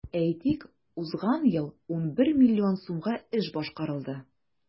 Әйтик, узган ел 11 миллион сумга эш башкарылды.